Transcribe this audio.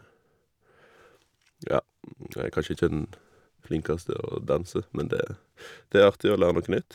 Ja, jeg er kanskje ikke den flinkeste å danse, men det det er artig å lære noe nytt.